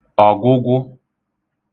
ọ̀gwụgwụ